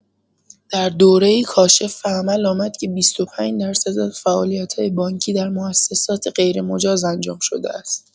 در دوره‌ای کاشف به عمل آمد که ۲۵ درصد از فعالیت بانکی در موسسات غیرمجاز انجام‌شده است